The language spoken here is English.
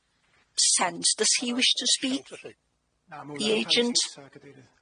sense does he wish to speak? The agent?